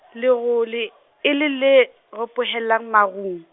lerole e le le ropohelang marung.